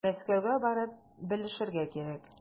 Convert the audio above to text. Мәскәүгә барып белешергә кирәк.